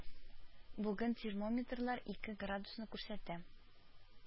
Бүген термометрлар ике градусны күрсәтә